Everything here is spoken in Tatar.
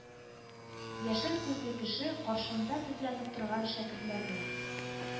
Яшел күзле кеше, каршында тезләнеп торган шәкертләрнең